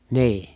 niin